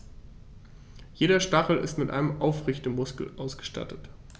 Jeder Stachel ist mit einem Aufrichtemuskel ausgestattet.